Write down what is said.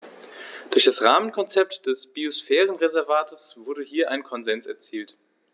Durch das Rahmenkonzept des Biosphärenreservates wurde hier ein Konsens erzielt.